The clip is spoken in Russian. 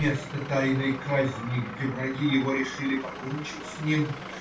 Место тайной казни, где враги его решили покончить с ним?